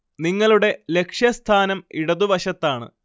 നിങ്ങളുടെ ലക്ഷ്യസ്ഥാനം ഇടതുവശത്താണ്